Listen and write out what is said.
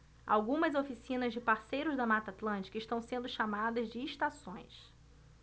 algumas oficinas de parceiros da mata atlântica estão sendo chamadas de estações